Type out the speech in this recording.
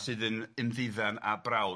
...sydd yn ymddiddan â brawd.